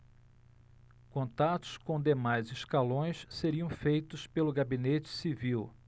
contatos com demais escalões seriam feitos pelo gabinete civil